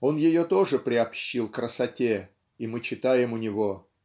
он ее тоже приобщил красоте, и мы читаем у него